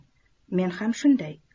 men ham shunday